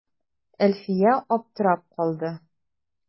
Әлфия аптырап калды.